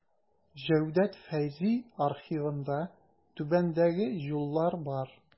Җәүдәт Фәйзи архивында түбәндәге юллар бар.